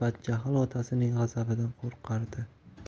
badjahl otasining g'azabidan qo'rqardi